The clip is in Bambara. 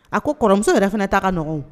A ko kɔrɔmuso yɛrɛ fana taa kaɔgɔn